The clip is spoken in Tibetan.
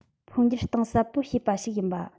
འཕོ འགྱུར གཏིང ཟབ པོ བྱེད པ ཞིག ཡིན པ